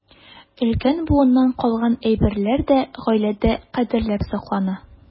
Өлкән буыннан калган әйберләр дә гаиләдә кадерләп саклана.